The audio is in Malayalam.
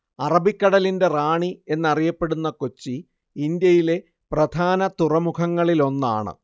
അറബിക്കടലിന്റെ റാണി എന്നറിയപ്പെടുന്ന കൊച്ചി ഇന്ത്യയിലെ പ്രധാന തുറമുഖങ്ങളിലൊന്നാണ്